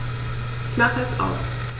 Ich mache es aus.